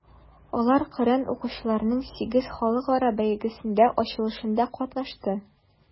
Алар Коръән укучыларның VIII халыкара бәйгесе ачылышында катнашты.